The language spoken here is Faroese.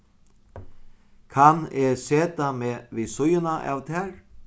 kann eg seta meg við síðuna av tær